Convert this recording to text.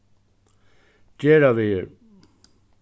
gerðavegur